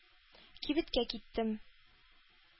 Кибеткә киттем.